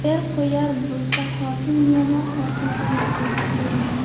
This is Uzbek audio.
er qo'yar bo'lsa xotin yomon xotin qo'yar bo'lsa er yomon